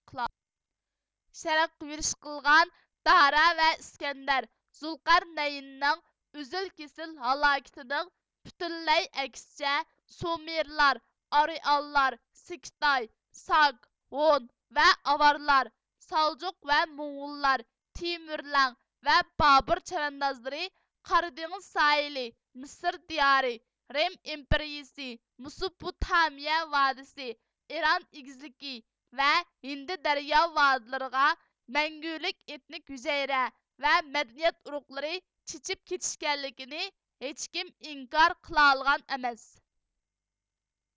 شەرققە يۈرۈش قىلغان دارا ۋە ئىسكەندەر زۇلقەر نەيىننىڭ ئۈزۈل كېسىل ھالاكىتىنىڭ پۈتۈنلەي ئەكسىچە سۇمېرلار ئارىئانلار سىكىتاي ساك ھون ۋە ئاۋارلار سالجۇق ۋە موڭغۇللار تېمۈرلەڭ ۋە بابۇر چەۋەندازلىرى قارا دېڭىز ساھىلى مىسىر دىيارى رىم ئىمپېرىيىسى مىسۇپۇتامىيە ۋادىسى ئىران ئېگىزلىكى ۋە ھىند دەريا ۋدىلىرىغا مەڭگۈلۈك ئېتنىك ھۈجەيرە ۋە مەدەنىيەت ئۇرۇقلىرى چېچىپ كېتىشكەنلىكىنى ھېچكىم ئىنكار قىلالىغان ئەمەس